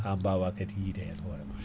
ha mbawa kaadi yide hen hoore ma